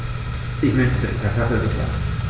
Ich möchte bitte Kartoffelsuppe.